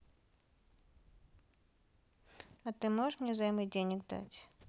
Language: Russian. а ты можешь мне взаймы денег дать